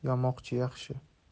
bigizi bor yamoqchi yaxshi